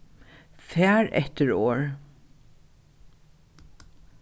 far eftir orð